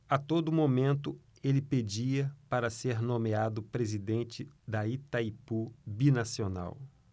a todo momento ele pedia para ser nomeado presidente de itaipu binacional